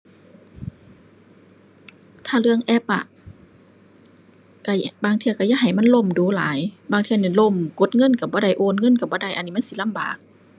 ถ้าเรื่องแอปอะ ก็ บางเทื่อก็อย่าให้มันล่มดู๋หลาย บางเทื่อเนี่ยล่ม กดเงินก็บ่ได้ โอนเงินก็บ่ได้ อันนี้มันสิลำบาก